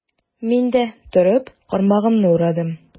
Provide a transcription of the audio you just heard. Мин дә, торып, кармагымны урадым.